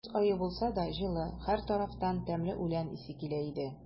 Көз ае булса да, җылы; һәр тарафтан тәмле үлән исе килә иде.